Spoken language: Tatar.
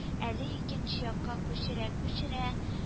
Әле икенче якка күчерә-күчерә